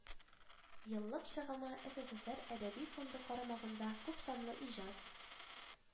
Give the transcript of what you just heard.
Еллык чыгымы ссср әдәби фонды карамагындагы күпсанлы иҗат